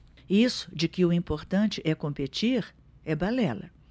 isso de que o importante é competir é balela